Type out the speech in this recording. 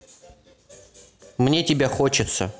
мне тебя хочется